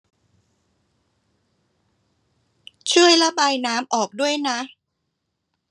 ช่วยระบายน้ำออกด้วยนะ